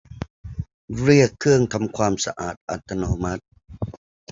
เรียกเครื่องทำความสะอาดอัตโนมัติ